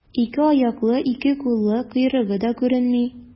Ике аяклы, ике куллы, койрыгы да күренми.